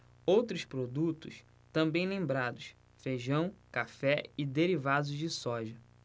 outros produtos também lembrados feijão café e derivados de soja